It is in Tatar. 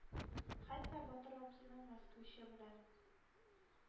Хәтта Батыр абзыйның ”Москвич“ы белән